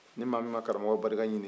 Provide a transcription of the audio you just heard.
ni maa min ma karamɔgɔ barika ɲini